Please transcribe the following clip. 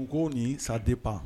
U ko nin ça dépend